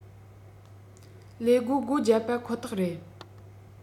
ལས སྒོ སྒོ བརྒྱབ པ ཁོ ཐག རེད